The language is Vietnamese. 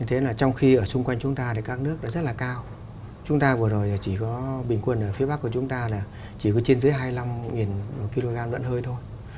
ấy thế là trong khi ở xung quanh chúng ta thì các nước đã rất là cao chúng ta vừa rồi chỉ có bình quân ở phía bắc của chúng ta là chỉ có trên dưới hai lăm nghìn ki lô gam lợn hơi thôi